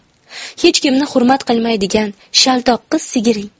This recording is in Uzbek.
hech kimni hurmat qilmaydigan shaltoq qiz sigiring